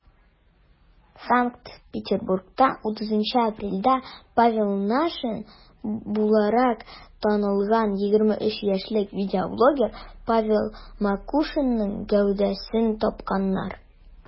Санкт-Петербургта 30 апрельдә Павел Няшин буларак танылган 23 яшьлек видеоблогер Павел Макушинның гәүдәсен тапканнар.